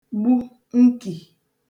gbu nkì